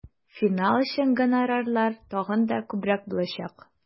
Финал өчен гонорарлар тагын да күбрәк булачак.